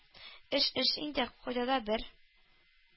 Эш эш инде, кайда да бер,